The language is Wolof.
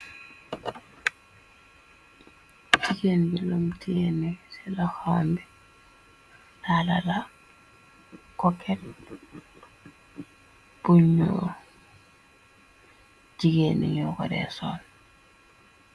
Jiggéen bi lam tene ci la xombe, laalala kokkel buñoo jigeennnñu koreesoon.